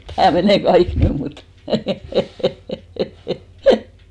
tämä menee kaikki nyt mutta